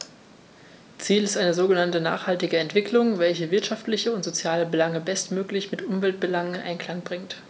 Ziel ist eine sogenannte nachhaltige Entwicklung, welche wirtschaftliche und soziale Belange bestmöglich mit Umweltbelangen in Einklang bringt.